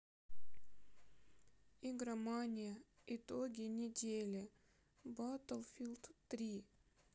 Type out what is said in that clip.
игромания итоги недели баттлфилд три